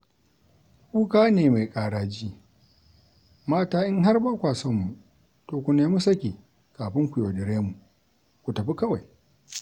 Kuka ne mai ƙaraji, mata in har ba kwa son mu to ku nemi saki kafin ku yaudare mu, ku tafi kawai.